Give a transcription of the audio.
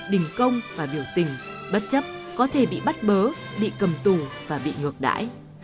đình công và biểu tình bất chấp có thể bị bắt bớ bị cầm tù và bị ngược đãi